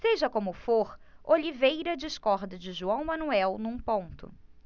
seja como for oliveira discorda de joão manuel num ponto